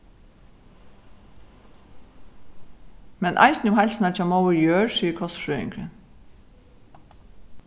men eisini um heilsuna hjá móður jørð sigur kostfrøðingurin